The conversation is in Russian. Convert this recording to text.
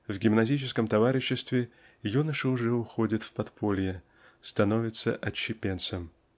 В гимназическом товариществе юноша уже уходит в подполье становится отщепенцем